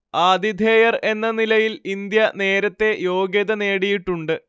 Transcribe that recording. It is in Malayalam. ആതിഥേയർ എന്ന നിലയിൽ ഇന്ത്യ നേരത്തെ യോഗ്യത നേടിയിട്ടുണ്ട്